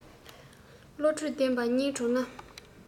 བློ གྲོས ལྡན པ གཉིས བགྲོས ན